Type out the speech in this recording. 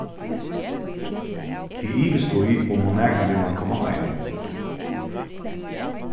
eg ivist í um hon nakrantíð man koma heim